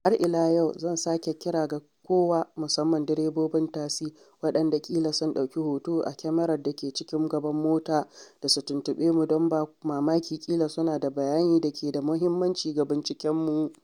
Har ila yau zan sake kira ga kowa, musamman direbobin tasi, waɗanda ƙila sun ɗauki hoto a kyamarar da ke cikin gaban mota da su tuntuɓe mu don ba mamaki ƙila suna da bayani da ke da muhimmanci ga bincikenmu.'